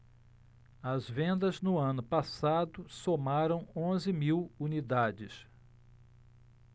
as vendas no ano passado somaram onze mil unidades